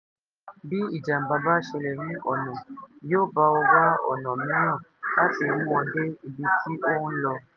Bí ìjàmbá bá ṣẹlẹ̀ ní ọ̀nà yóò bá ọ wá ọ̀nà mìíràn láti mú ọ dé ibi tí ò ń lọ.